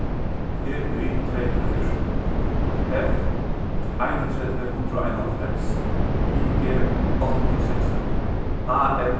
p y tvey hundrað og fjúrtan f einogtretivu hundrað og einoghálvfems i g átta hundrað og sekstan a l